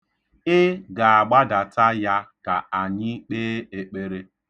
Ị ga-agbadata ya ka anyị kpee ekpere.